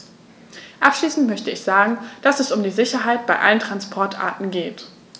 Abschließend möchte ich sagen, dass es um die Sicherheit bei allen Transportarten geht.